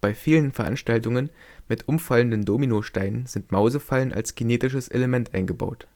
vielen Veranstaltungen mit umfallenden Dominosteinen sind Mausefallen als kinetisches Element eingebaut